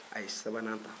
a ye sabanan ta